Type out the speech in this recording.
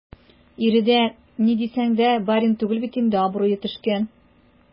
Ире дә, ни дисәң дә, барин түгел бит инде - абруе төшкән.